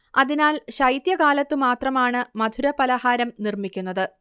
അതിനാൽ ശൈത്യകാലത്തു മാത്രമാണ് മധുരപലഹാരം നിർമ്മിക്കുന്നത്